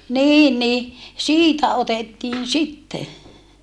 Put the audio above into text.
niin niin siitä otettiin sitten